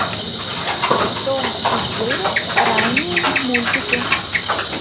том и джерри ранние мультики